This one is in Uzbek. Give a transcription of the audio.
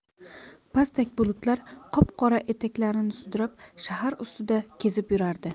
pastak bulutlar qop qora etaklarini sudrab shahar ustida kezib yurardi